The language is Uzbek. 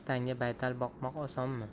tanga baytal boqmoq osonmi